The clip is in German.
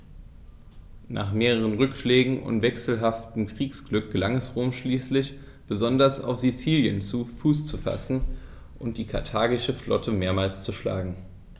Nach mehreren Rückschlägen und wechselhaftem Kriegsglück gelang es Rom schließlich, besonders auf Sizilien Fuß zu fassen und die karthagische Flotte mehrmals zu schlagen.